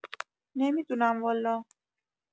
نمی‌دونم والا